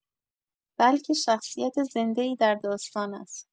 بلکه شخصیت زنده‌ای در داستان است.